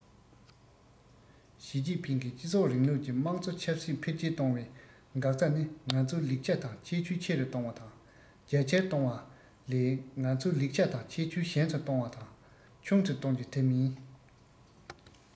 ཞིས ཅིན ཕིང གིས སྤྱི ཚོགས རིང ལུགས ཀྱི དམངས གཙོ ཆབ སྲིད འཕེལ རྒྱས གཏོང བའི འགག རྩ ནི ང ཚོའི ལེགས ཆ དང ཁྱད ཆོས ཆེ རུ གཏོང བ དང རྒྱ ཆེར གཏོང བ ལས ང ཚོའི ལེགས ཆ དང ཁྱད ཆོས ཞན དུ གཏོང བ དང ཆུང དུ གཏོང རྒྱུ དེ མིན